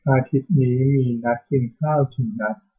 อาทิตย์นี้มีนัดกินข้าวกี่นัด